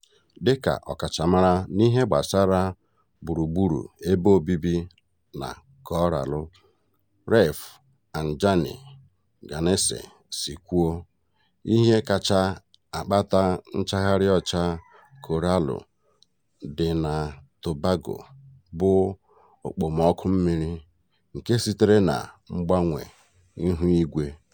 Dịka ọkachamara n'ihe gbasara gburugburu ebe obibi na Koraalụ Reef, Anjani Ganase si kwuo, ihe kacha akpata nchagharị ọcha Koraalụ dị na Tobago bụ okpomọọkụ mmiri— nke sitere na mgbanwe ihuigwe.